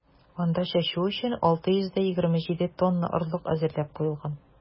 Анда чәчү өчен 627 тонна орлык әзерләп куелган.